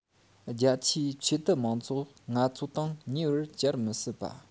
རྒྱ ཆེའི ཆོས དད མང ཚོགས ང ཚོ དང ཉེ བར བཅར མི སྲིད པ